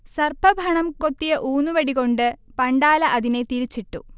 സർപ്പഫണം കൊത്തിയ ഊന്നുവടികൊണ്ട് പണ്ടാല അതിനെ തിരിച്ചിട്ടു